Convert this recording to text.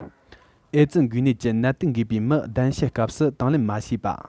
ཨེ ཙི འགོས ནད ཀྱི ནད དུག འགོས པའི མི གདན ཞུ སྐབས སུ དང ལེན མ བྱས པ